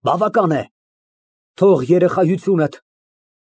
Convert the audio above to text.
Բավական է։ Թող երեխայությունդ։